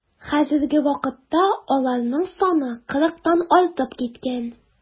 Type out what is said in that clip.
Хәзерге вакытта аларның саны кырыктан артып киткән.